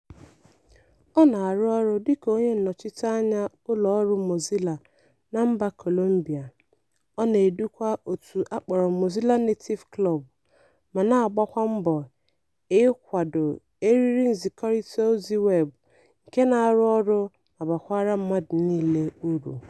Ọ na-arụ ọrụ dịka onye nnọchite anya ụlọ ọrụ Mozila na mba Colombia, ọ na-edukwa òtù akpọrọ 'Mozilla Nativo Club' ma na-agbakwa mbọ ịkwado eriri nzikọrịtaozi weebụ nke na-arụ ọrụ ma bakwaara mmadụ niile uru.